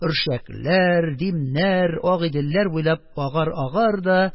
Өршәкләр, Димнәр, Агыйделләр буйлап агар-агар да